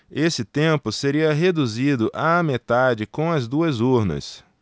esse tempo seria reduzido à metade com as duas urnas